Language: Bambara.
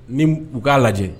Nim u k'a lajɛ